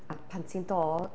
A pan ti'n dod...